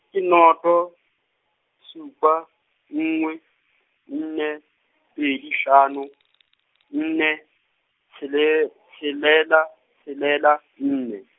ke noto, supa, nngwe, nne , pedi hlano, nne tshele- , tshelela, tshelela, nne.